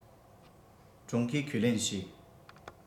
ཀྲུང གོས ཁས ལེན བྱོས